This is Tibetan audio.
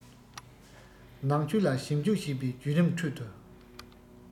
ནང ཆོས ལ ཞིབ འཇུག བྱས པའི བརྒྱུད རིམ ཁྲོད དུ